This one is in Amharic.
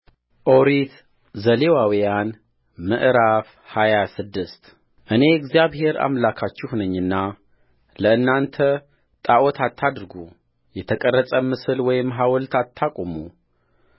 ኦሪት ዘሌዋውያን ምዕራፍ ሃያ ስድስት እኔ እግዚአብሔር አምላካችሁ ነኝና ለእናንተ ጣዖት አታድርጉ የተቀረጸም ምስል ወይም ሐውልት አታቁሙ